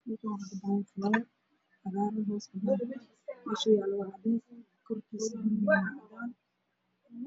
Meeshaan waxaa kabaxaayo falaawar cagaaran meesha uu yaalo waa cadaan, korkiisana waa cagaar.